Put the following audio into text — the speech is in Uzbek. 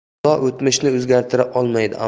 xudo o'tmishni o'zgartira olmaydi